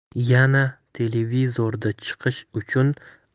yana televizorda chiqish uchun